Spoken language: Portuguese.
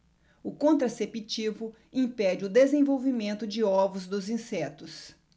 o contraceptivo impede o desenvolvimento de ovos dos insetos